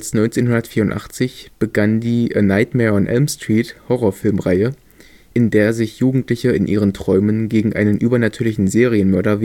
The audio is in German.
1984 begann die A Nightmare on Elm Street-Horrorfilmreihe, in dem sich Jugendliche in ihren Träumen gegen einen übernatürlichen Serienmörder